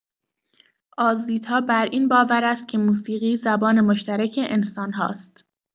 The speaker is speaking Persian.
آزیتا بر این باور است که موسیقی زبان مشترک انسان‌هاست.